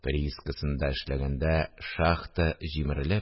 Приискасында эшләгәндә шахта җимерелеп